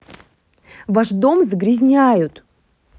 ваш дом загрязняют